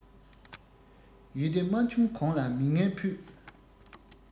ཡུལ སྡེ མ འཁྱོམས གོང ལ མི ངན ཕུད